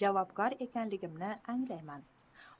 javobgar ekanligimni anglayman